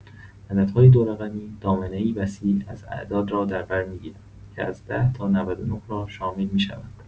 عددهای دورقمی دامنه‌ای وسیع از اعداد را در بر می‌گیرند که از ۱۰ تا ۹۹ را شامل می‌شوند.